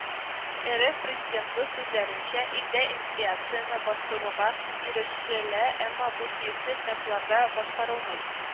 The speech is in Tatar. РФ Президенты сүзләренчә, илдә инфляцияне бастыруга ирешелә, әмма бу тиешле темпларда башкарылмый